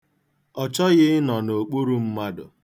Ọ chọghị ịnọ n'okpuru mmadụ.